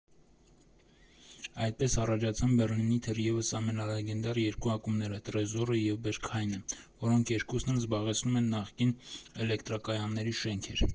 Այդպես առաջացան Բեռլինի թերևս ամենալեգենդար երկու ակումբները՝ «Տրեզորը» և «Բերգհայնը», որոնք երկուսն էլ զբաղեցնում են նախկին էլեկտրակայանների շենքեր։